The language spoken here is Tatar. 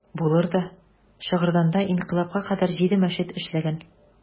Булыр да, Шыгырданда инкыйлабка кадәр җиде мәчет эшләгән.